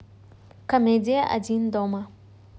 комедия один дома